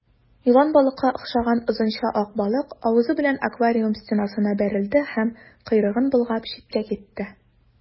Елан балыкка охшаган озынча ак балык авызы белән аквариум стенасына бәрелде һәм, койрыгын болгап, читкә китте.